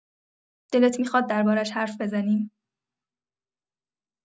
دلت می‌خواد درباره‌اش حرف بزنیم؟